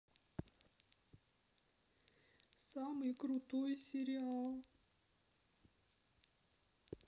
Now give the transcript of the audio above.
самый крутой сериал